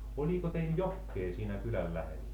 oliko teillä jokea siinä kylällä lähellä